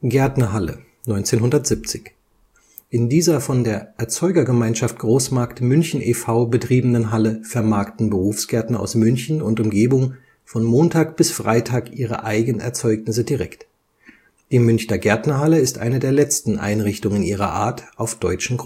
Gärtnerhalle, 1970: In dieser von der Erzeugergemeinschaft Großmarkt München e.V. betriebenen Halle vermarkten Berufsgärtner aus München und Umgebung von Montag bis Freitag ihre Eigenerzeugnisse direkt. Die Münchner Gärtnerhalle ist eine der letzten Einrichtungen ihrer Art auf deutschen